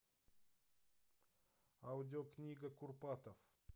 аудиокнига курпатов